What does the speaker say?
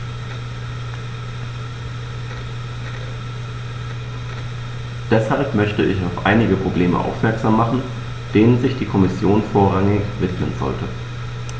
Deshalb möchte ich auf einige Probleme aufmerksam machen, denen sich die Kommission vorrangig widmen sollte.